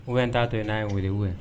U bɛ n taa to n'a ye wele wele